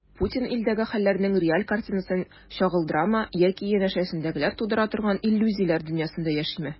Путин илдәге хәлләрнең реаль картинасын чагылдырамы яки янәшәсендәгеләр тудыра торган иллюзияләр дөньясында яшиме?